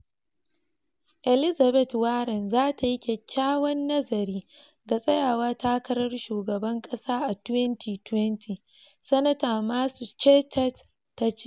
Elizabeth Warren za ta yi "kyakkyawan nazari" ga Tsayawa takarar Shugaban kasa a 2020, Sanata Massachusetts ta ce